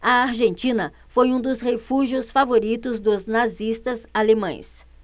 a argentina foi um dos refúgios favoritos dos nazistas alemães